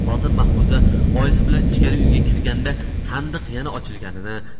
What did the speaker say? hozir mahfuza oyisi bilan ichkari uyga kirganda sandiq yana ochilganini